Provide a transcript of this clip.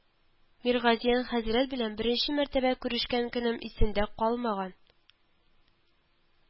Миргазиян хәзрәт белән беренче мәртәбә күрешкән көнем исемдә калмаган